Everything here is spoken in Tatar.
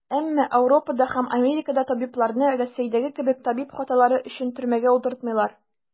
Әмма Ауропада һәм Америкада табибларны, Рәсәйдәге кебек, табиб хаталары өчен төрмәгә утыртмыйлар.